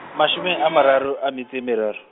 mashome a mararo, a metso e meraro.